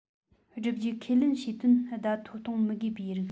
བསྒྲུབ རྒྱུ ཁས ལེན བྱེད དོན བརྡ ཐོ གཏོང མི དགོས པའི རིགས